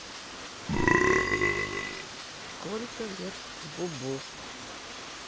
сколько лет бубу